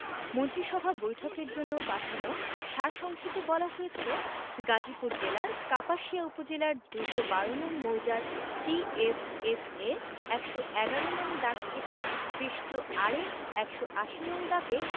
মন্ত্রিসভা বৈঠকের জন্য পাঠানো সার সংক্ষেপে বলা হয়েছে গাজীপুর জেলার কাপাসিয়া উপজেলার ২১২ নং মৌজার সি এস এস এ ১১১ নং দাগ থেকে সৃষ্ট আরএস ১৮০ নং দাগে